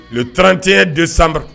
O tranti don sanba